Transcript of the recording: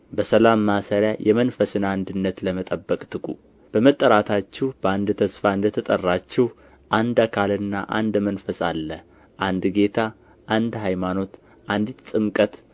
በሰላም ማሰሪያ የመንፈስን አንድነት ለመጠበቅ ትጉ በመጠራታችሁ በአንድ ተስፋ እንደ ተጠራችሁ አንድ አካልና አንድ መንፈስ አለ አንድ ጌታ አንድ ሃይማኖት አንዲት ጥምቀት